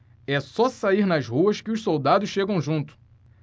é só sair nas ruas que os soldados chegam junto